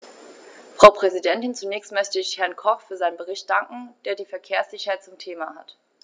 Frau Präsidentin, zunächst möchte ich Herrn Koch für seinen Bericht danken, der die Verkehrssicherheit zum Thema hat.